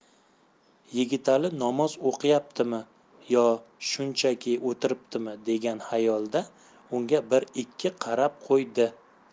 yigitali namoz o'qiyaptimi yo shunchaki o'tiribdimi degan xayolda unga bir ikki qarab qo'ydi